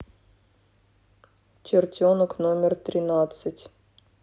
чертенок номер тринадцать